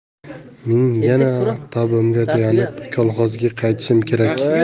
men yana tavbamga tayanib kolxozga qaytishim kerak